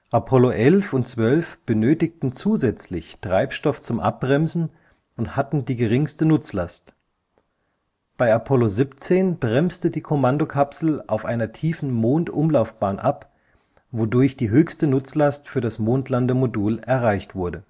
Apollo 11 und 12 benötigten zusätzlich Treibstoff zum Abbremsen und hatten die geringste Nutzlast. Bei Apollo 17 bremste die Kommandokapsel auf einer tiefen Mondumlaufbahn ab, wodurch die höchste Nutzlast für das Mondlandemodul erreicht wurde